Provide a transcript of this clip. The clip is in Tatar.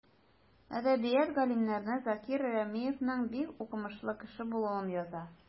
Әдәбият галимнәре Закир Рәмиевнең бик укымышлы кеше булуын яза.